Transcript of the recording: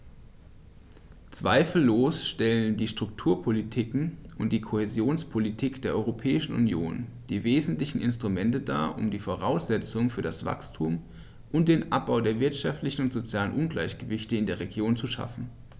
Zweifellos stellen die Strukturpolitiken und die Kohäsionspolitik der Europäischen Union die wesentlichen Instrumente dar, um die Voraussetzungen für das Wachstum und den Abbau der wirtschaftlichen und sozialen Ungleichgewichte in den Regionen zu schaffen.